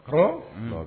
Hɔn